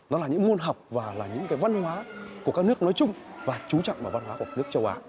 và những môn học và là những cái văn hóa của các nước nói chung và chú trọng vào văn hóa các nước châu á